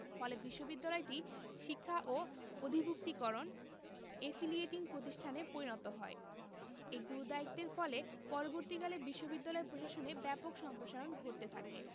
ফলে বিশ্ববিদ্যালয়টি শিক্ষা ও অধিভূক্তিকরণ এফিলিয়েটিং প্রতিষ্ঠানে পরিণত হয় এ গুরুদায়িত্বের ফলে পরবর্তীকালে বিশ্ববিদ্যালয় প্রশাসনে ব্যাপক সম্প্রসারণ ঘটতে থাকে